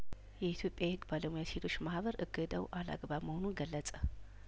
የኢትዮጵያ የህግ ባለሙያ ሴቶች ማህበር እገዳው አለአግባብ መሆኑን ገለጸ